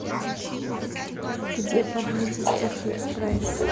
где поблизости фикс прайс